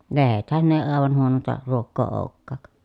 lehdethän ne ei aivan huonointa ruokaa olekaan